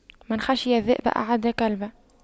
من خشى الذئب أعد كلبا